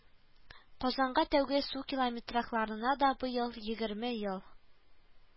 Казанга тәүге сукилометракларына да быел егерме ел